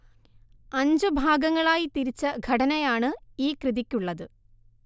അഞ്ചു ഭാഗങ്ങളായി തിരിച്ച ഘടനയാണ് ഈ കൃതിക്കുള്ളത്